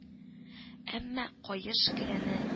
Әмма каеш келәне